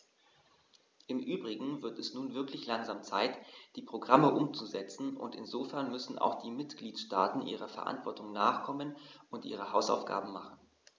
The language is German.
Im übrigen wird es nun wirklich langsam Zeit, die Programme umzusetzen, und insofern müssen auch die Mitgliedstaaten ihrer Verantwortung nachkommen und ihre Hausaufgaben machen.